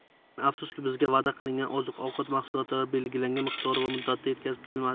lekin afsuski bizga va'da qilingan oziq ovqat mahsulotlari belgilangan miqdor va muddatda yetib kelmasdi